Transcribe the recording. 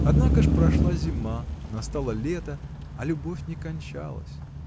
Однако ж прошла зима, настало лето, а любовь не кончалась.